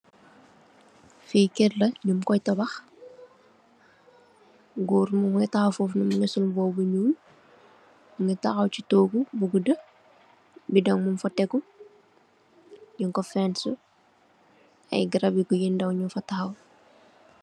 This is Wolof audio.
Fi keur la nyun koi tabax goor mongi tawax fofu nonu mongi sol mbuba bu nuul mongi taxaw si togu bu guda bidon mung fa tegu nyung ko fence ay garab yu ndaw nyun fa taxaw.